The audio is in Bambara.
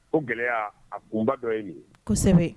O gɛlɛya a kunba dɔ ye nin kosɛbɛ